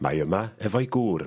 Mae yma efo'i gŵr...